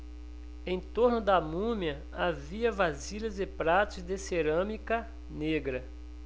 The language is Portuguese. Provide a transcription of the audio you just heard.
em torno da múmia havia vasilhas e pratos de cerâmica negra